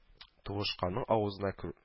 Туышканның авызына кер э